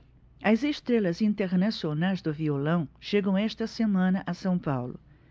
as estrelas internacionais do violão chegam esta semana a são paulo